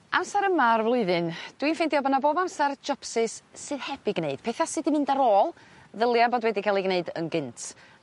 Amser yma o'r flwyddyn dwi'n ffeindio bo' 'na bob amsar jopsys sydd heb i gneud petha sy di mynd ar ôl ddylia bod wedi ca'l 'i gneud yn gynt